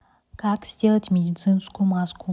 как сделать медицинскую маску